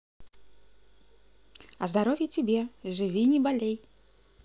a здоровье тебе живи не болей